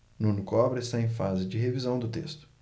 nuno cobra está em fase de revisão do texto